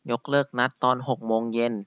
ยกเลิกนัดตอนหกโมงเย็น